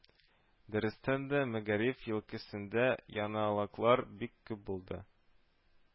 Дөрестән дә, мәгариф өлкәсендә яңалыклар бик күп булды